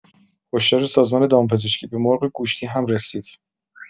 هشدار سازمان دامپزشکی: به مرغ گوشتی هم رسید!